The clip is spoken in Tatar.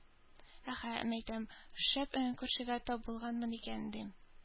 Әһә, мәйтәм, шәп күршегә тап булганмын икән, дим.